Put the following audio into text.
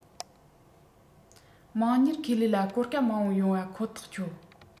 དམངས གཉེར ཁེ ལས ལ གོ སྐབས མང པོ ཡོང བ ཁོ ཐག ཆོད